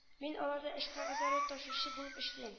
Мин аларда эш кәгазьләре ташучы булып эшлим